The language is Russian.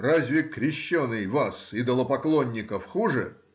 Разве крещеный вас, идолопоклонников, хуже?